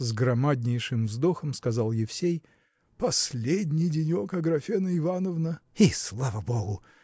– с громаднейшим вздохом сказал Евсей – последний денек Аграфена Ивановна! – И слава богу!